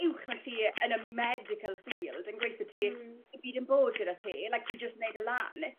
uwch na ti yn y medical field yn gweu' 'tho ti... Hmm. ...dim byd yn bod gyda ti like ti jyst neud e lan